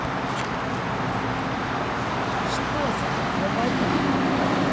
что за говори